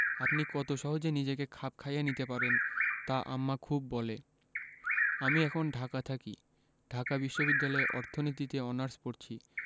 আপনি কত সহজে নিজেকে খাপ খাইয়ে নিতে পারেন তা আম্মা খুব বলে আমি এখন ঢাকা থাকি ঢাকা বিশ্ববিদ্যালয়ে অর্থনীতিতে অনার্স পরছি